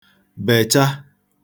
bècha